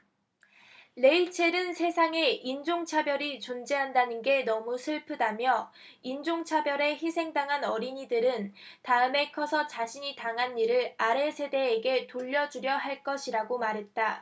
레이첼은 세상에 인종차별이 존재한다는 게 너무 슬프다며 인종차별에 희생당한 어린이들은 다음에 커서 자신이 당한 일을 아래 세대에게 돌려주려 할 것이라고 말했다